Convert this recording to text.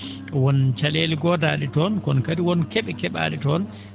won ca?eele goodaa?e toon kono kadi won ca?eele ke?aa?e toon